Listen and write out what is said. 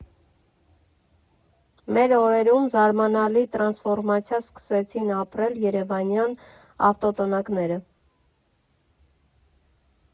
Մեր օրերում զարմանալի տրանսֆորմացիա սկսեցին ապրել երևանյան ավտոտնակները։